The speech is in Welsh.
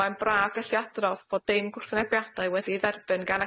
Mae'n braf gallu adrodd fod dim gwrthwynebiadau wedi'u dderbyn gan